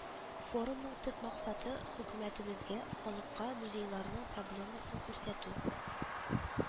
Форумның төп максаты хөкүмәтебезгә, халыкка музейларның проблемасын күрсәтү